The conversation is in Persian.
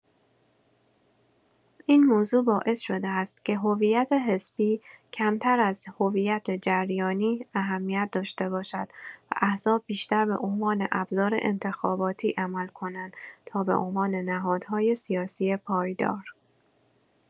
این موضوع باعث شده است که هویت حزبی کمتر از هویت جریانی اهمیت داشته باشد و احزاب بیشتر به عنوان ابزار انتخاباتی عمل کنند تا به عنوان نهادهای سیاسی پایدار.